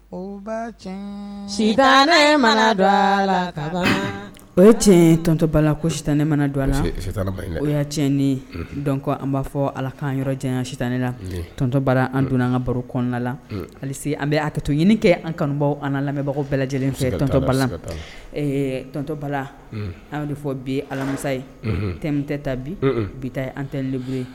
O ba si ne mana don la o ye tiɲɛ tɔntɔba la ko si ne mana don a o y'a ti ni dɔn kɔ an b'a fɔ ala kaan yɔrɔjan sitan ne la tɔntɔ bala an donna an ka baro kɔnɔna la hali an bɛ a ka to ɲini kɛ an kanubaw an lamɛnbagaw bɛɛ lajɛlen fɛ tɔntɔ bala tɔntɔ bala an de fɔ bi alamisa ye te tɛ ta bi bi an tɛ bu ye